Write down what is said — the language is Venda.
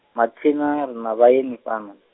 mathina ri na vhaeni fhano?